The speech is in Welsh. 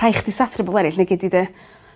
rhai' chdi sathru bobol eryll neu' gei di dy